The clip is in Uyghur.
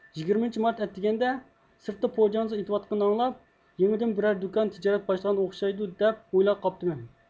يىگىرمىنچى مارت ئەتىگەندە سىرتتا پوجاڭزا ئېتىۋاتقىنىنى ئاڭلاپ يېڭىدىن بىرەر دۇكان تىجارەت باشلىغان ئوخشايدۇ دەپ ئويلاپ قاپتىمەن